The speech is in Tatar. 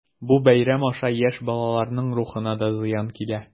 Бу бәйрәм аша яшь балаларның рухына да зыян килә.